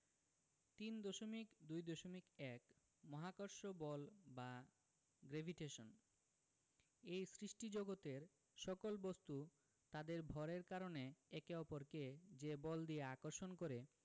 3.2.1 মহাকর্ষ বল বা গ্রেভিটেশন এই সৃষ্টিজগতের সকল বস্তু তাদের ভরের কারণে একে অপরকে যে বল দিয়ে আকর্ষণ করে